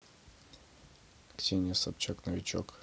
ксения собчак новичок